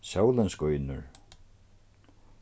sólin skínur